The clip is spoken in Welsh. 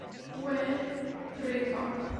Gwe pry cop.